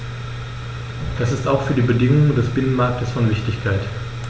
Das ist auch für die Bedingungen des Binnenmarktes von Wichtigkeit.